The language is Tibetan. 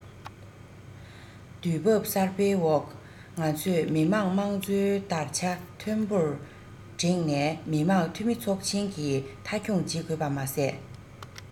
དུས བབ གསར པའི འོག ང ཚོས མི དམངས དམངས གཙོའི དར ཆ མཐོན པོར བསྒྲེངས ནས མི དམངས འཐུས མི ཚོགས ཆེན གྱི མཐའ འཁྱོངས བྱེད དགོས པ མ ཟད